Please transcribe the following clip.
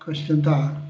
Cwestiwn da.